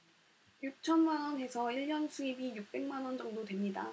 육 천만 원 해서 일 년 수입이 육 백만 원 정도 됩니다